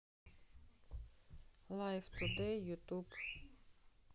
лайф тудей ютуб